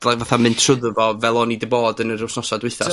dylai fatha mynd trwdd fo fel o'n i 'di bod yn yr wythnosa dwytha.